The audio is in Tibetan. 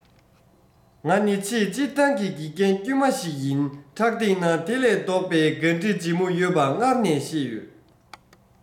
ང ནི ཆེས སྤྱིར བཏང གི དགེ རྒན དཀྱུས མ ཞིག ཡིན ཕྲག སྟེང ན དེ ལས ལྡོག པའི འགན འཁྲི ལྕི མོ ཡོད པ སྔར ནས ཤེས ཡོད